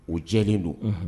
O jɛlen don